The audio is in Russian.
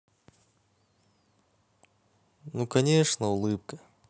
ну конечно улыбка